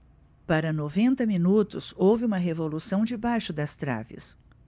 para noventa minutos houve uma revolução debaixo das traves